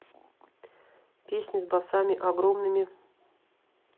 песня с басами огромными